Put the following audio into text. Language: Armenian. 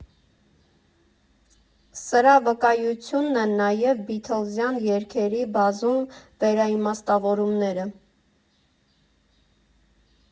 Սրա վկայությունն են նաև բիթլզյան երգերի բազում վերաիմաստավորումները։